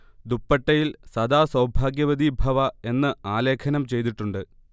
ദുപ്പട്ടയിൽ സദാ സൗഭാഗ്യവതി ഭവഃ എന്ന് ആലേഖനം ചെയ്തിട്ടുണ്ട്